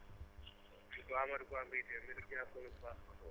Amadou Ba